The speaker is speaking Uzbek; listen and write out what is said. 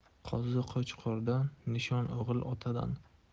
qo'zi qo'chqordan nishon o'g'il otadan